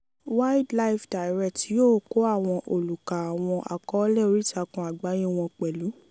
WildlifeDirect yóò kó àwọn olùkà àwọn àkọọ́lẹ̀ oríìtakùn àgbáyé wọn pẹ̀lú.